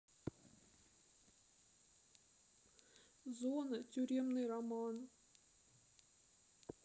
зона тюремный роман